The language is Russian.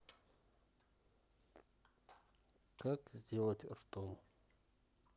как сделать ртом